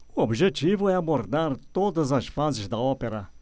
o objetivo é abordar todas as fases da ópera